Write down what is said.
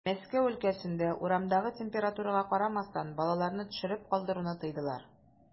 Мәскәү өлкәсендә, урамдагы температурага карамастан, балаларны төшереп калдыруны тыйдылар.